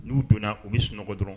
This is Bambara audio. N'u donna u bɛ sunɔgɔ dɔrɔn